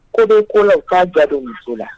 Ko bɛ ko la u k'a dadon u' la